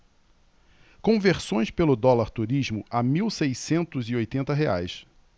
conversões pelo dólar turismo a mil seiscentos e oitenta reais